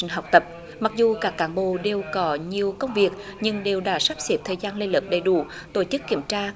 trình học tập mặc dù các cán bộ đều có nhiều công việc nhưng đều đã sắp xếp thời gian lên lớp đầy đủ tổ chức kiểm tra